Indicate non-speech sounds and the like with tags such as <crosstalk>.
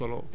<hesitation> <hesitation>